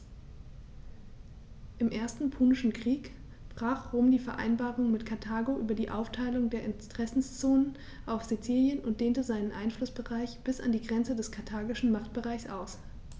Im Ersten Punischen Krieg brach Rom die Vereinbarung mit Karthago über die Aufteilung der Interessenzonen auf Sizilien und dehnte seinen Einflussbereich bis an die Grenze des karthagischen Machtbereichs aus.